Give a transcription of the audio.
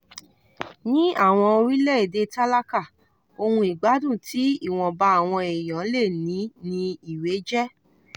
Ní àwọn orílẹ̀-èdè tálákà, ohun ìgbádùn tí ìwọ̀nba àwọn èèyàn lè ní ni ìwé jẹ́.